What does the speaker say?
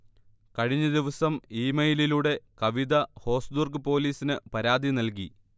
കഴിഞ്ഞദിവസം ഇമെയിലിലൂടെ കവിത ഹോസ്ദുർഗ് പോലീസിന് പരാതി നൽകി